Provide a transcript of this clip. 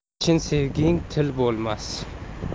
chin sevgining till bo'lmas